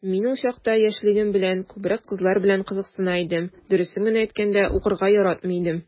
Мин ул чакта, яшьлегем белән, күбрәк кызлар белән кызыксына идем, дөресен генә әйткәндә, укырга яратмый идем...